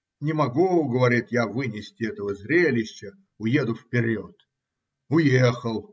"Не могу, говорит, я вынести этого зрелища; уеду вперед". Уехал.